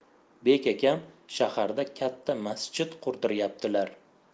bek akam shaharda katta masjid qurdiryaptilar